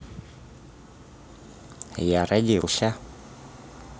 я родился